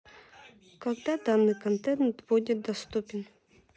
когда данный контент будет доступен